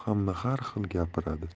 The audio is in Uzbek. har xil gapiradi